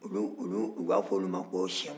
u bɛ olu u b'a fɔ olu ko siyɛn